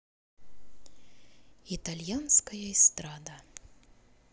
итальянская эстрада